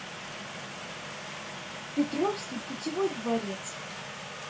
петровский путевой дворец